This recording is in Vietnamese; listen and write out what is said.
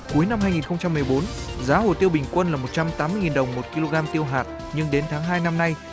cuối năm hai nghìn không trăm mười bốn giá hồ tiêu bình quân là một trăm tám mươi nghìn đồng một ki lô gam tiêu hạt nhưng đến tháng hai năm nay